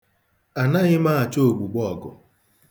Anaghị m achọ ogbugbo ọgụ.